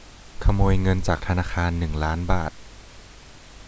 ขโมยเงินจากธนาคารหนึ่งล้านบาท